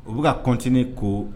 U bɛ ka continuer k'o